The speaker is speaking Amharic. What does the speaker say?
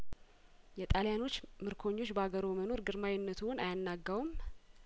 የጣሊያኖች ምርኮኞች ባገርዎ መኖር ግርማዊነትዎን አያገነውም